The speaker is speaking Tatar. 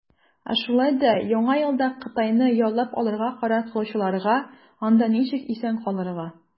Ә шулай да Яңа елда Кытайны яулап алырга карар кылучыларга, - анда ничек исән калырга.